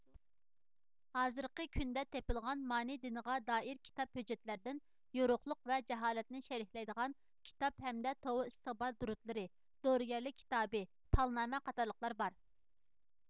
ھازىرقى كۈندە تېپىلغان مانى دىنىغا دائىر كىتاب ھۆججەتلەردىن يورۇقلۇق ۋە جاھالەتنى شەرھلەيدىغان كىتاب ھەمدە توۋا ئىستىغپار دۇرۇتلىرى دورىگەرلىك كىتابى پالنامە قاتارلىقلار بار